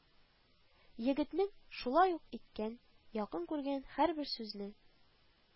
Егетнең шулай үз иткәндәй, якын күргәндәй һәрбер сүзне